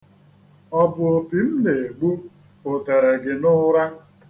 Ọ bụ opi m na-egbu fụtere gị n'ụra?